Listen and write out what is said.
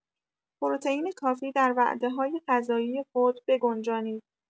پروتئین کافی در وعده‌های غذایی خود بگنجانید.